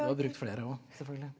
du har brukt flere òg selvfølgelig.